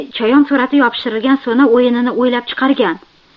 chayon surati yopishtirilgan so'na o'yinini o'ylab chiqargan